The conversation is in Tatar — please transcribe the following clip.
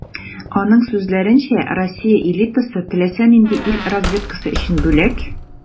Аның сүзләренчә, Россия элитасы - теләсә нинди ил разведкасы өчен бүләк.